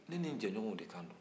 ne ni n jɛɲɔgɔnw de kan don